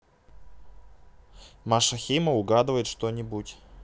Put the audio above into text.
маша hima угадываем что нибудь